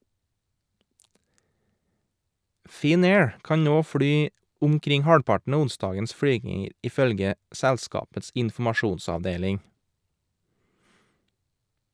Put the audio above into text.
Finnair kan nå fly omkring halvparten av onsdagens flyginger, ifølge selskapets informasjonsavdeling.